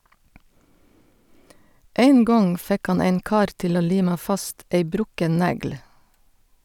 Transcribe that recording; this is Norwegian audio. Ein gong fekk han ein kar til å lima fast ei brukken negl.